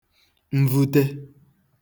mvute